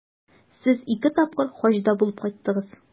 Сез ике тапкыр Хаҗда булып кайттыгыз.